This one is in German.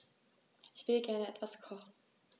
Ich will gerne etwas kochen.